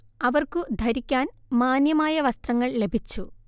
അവർക്കു ധരിക്കാൻ മാന്യമായ വസ്ത്രങ്ങൾ ലഭിച്ചു